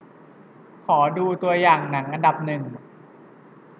ขอดูตัวอย่างหนังอันดับหนึ่ง